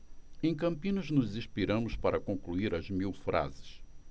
em campinas nos inspiramos para concluir as mil frases